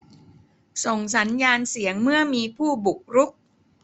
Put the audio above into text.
ส่งสัญญาณเสียงเมื่อมีผู้บุกรุก